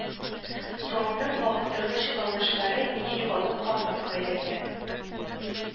Томның мавыктыргыч кыланышлары мине югалып калмаска өйрәтә